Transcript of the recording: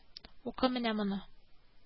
Укы менә моны